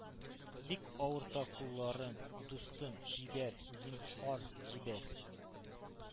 Бик авырта кулларым, дустым, җибәр, зинһар, җибәр;